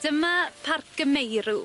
Dyma Parc y Meirw.